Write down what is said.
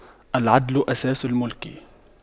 العدل أساس الْمُلْك